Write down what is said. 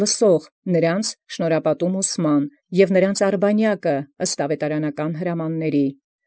Լսող շնորհապատում վարդապետութեանն, և նոցին արբանեակ ըստ աւետարանական հրամանացն։